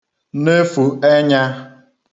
nefù enya